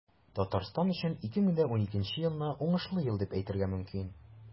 Татарстан өчен 2012 елны уңышлы ел дип әйтергә мөмкин.